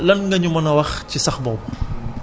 lan nga ñu mën a wax ci sax boobu